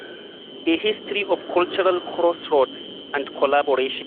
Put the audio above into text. A history of cultural crossroads and collaboration